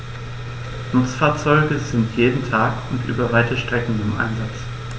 Nutzfahrzeuge sind jeden Tag und über weite Strecken im Einsatz.